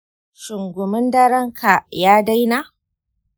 shin gumin daren ka ya daina?